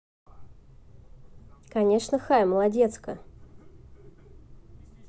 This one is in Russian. конечно хай молодец ка